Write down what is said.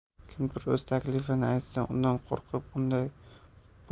kimdir o'z taklifini aytsa undan qo'rqib